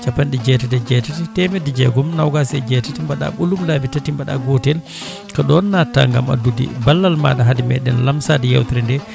capanɗe jeetati e jeetati temedde jeegoom nogas e jeetati mbaɗa ɓoolum laabi tati mbaɗa gotel ko ɗon natta gaam addude ballal maɗa haade meɗen lamsade yewtere nde